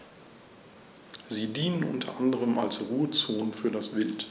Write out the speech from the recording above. Sie dienen unter anderem als Ruhezonen für das Wild.